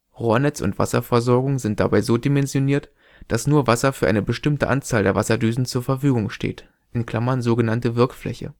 Rohrnetz und Wasserversorgung sind dabei so dimensioniert, dass nur Wasser für eine bestimmte Anzahl der Wasserdüsen zur Verfügung steht (sog. Wirkfläche